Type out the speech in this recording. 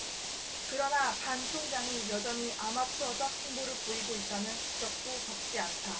그러나 반 총장이 여전히 아마추어적 행보를 보이고 있다는 지적도 적지 않다